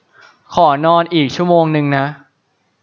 ขอนอนอีกชั่วโมงนึงนะ